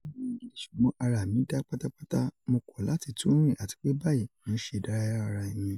O nira gidi ṣugbọn ara mi da patapata, mo kọ lati tun rin ati pe bayii mo n ṣe idaraya ara mi!